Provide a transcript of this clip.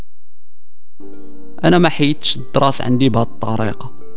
انا محيط الدراسه عندي بطاريق